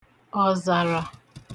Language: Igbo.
ọ̀zàrà